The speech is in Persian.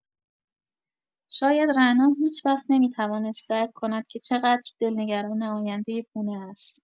شاید رعنا هیچ‌وقت نمی‌توانست درک کند که چقدر دلنگران آیندۀ پونه است.